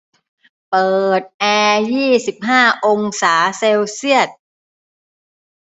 เปิดแอร์ยี่สิบห้าองศาเซลเซียส